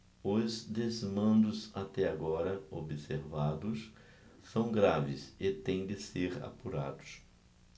os desmandos até agora observados são graves e têm de ser apurados